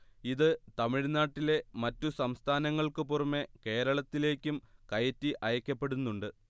ഇത് തമിഴ്നാട്ടിലെ മറ്റു സംസ്ഥാനങ്ങൾക്കു പുറമേ കേരളത്തിലേക്കും കയറ്റി അയക്കപ്പെടുന്നുണ്ട്